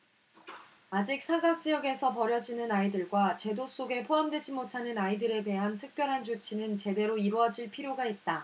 아직 사각지역에서 버려지는 아이들과 제도 속에 포함되지 못하는 아이들에 대한 특별한 조치는 제대로 이루어질 필요가 있다